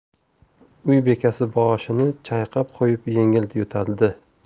uy bekasi boshini chayqab qo'yib yengil yo'taldi